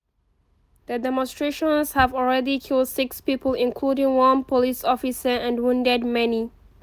The demonstrations have already killed six people, including one police officer, and wounded many.